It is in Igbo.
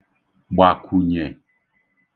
gbàkwùnyè